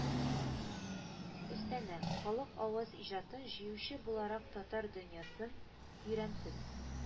Өстенә, халык авыз иҗатын җыючы буларак татар дөньясын тирәнтен